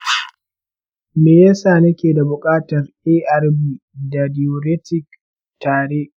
me ya sa nake buƙatar arb da diuretic tare?